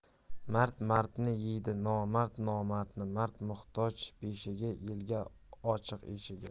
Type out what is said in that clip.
mard mardni deydi nomard nomardni mard muhtoj beshigi elga ochiq eshigi